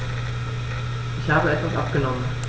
Ich habe etwas abgenommen.